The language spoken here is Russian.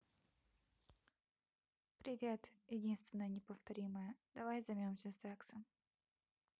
привет единственная неповторимая давай займемся сексом